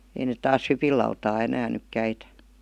ei ne taas hypinlautaa enää nyt käytä